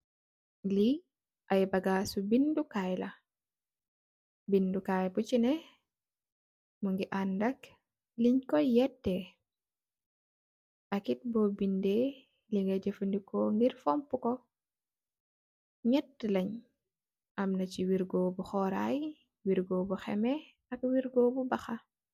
Li ay bagaasu bindu Kai la, bindu Kai buci neh mugii andal liñ koy yeeteh ak tit bo bindè li ngay jafandiko ngir fompuko ñett leeñ am na ci wirgo bu xoray, wirgo bu xemeh ak wirgo bu baxa.